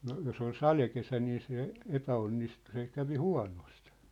no jos oli sadekesä niin se epäonnistui se kävi huonosti